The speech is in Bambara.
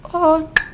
Hɔn